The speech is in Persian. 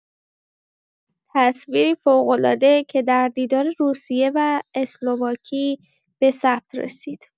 تصویری فوق‌العاده، که در دیدار روسیه و اسلواکی به ثبت رسید.